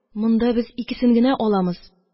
Монда без икесен генә аламыз,